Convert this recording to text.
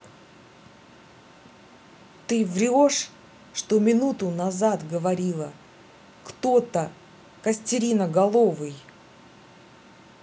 ты врешь что минуту назад говорила кто то костерина головый